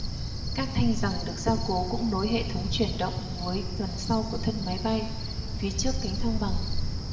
các thanh giằng được gia cố cũng nối hệ thống truyền động với phần sau của thân máy bay phía trước cánh thăng bằng